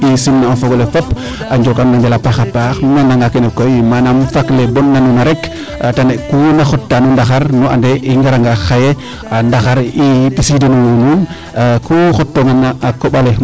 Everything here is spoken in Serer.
i simna o fogole fop njoka nuuna a njal a paaxa paax nu nana nga keene koy manaam fak le bon nanuuna rek te ne kuuna xot ta no ndaxar nu ande i ngara nga xaye ndaxar i mbisiiduyo nuun ku xot toonga na koɓale